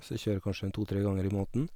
Så jeg kjører kanskje en to tre ganger i måneden.